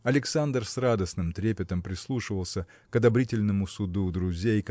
Александр с радостным трепетом прислушивался к одобрительному суду друзей